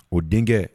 O denkɛ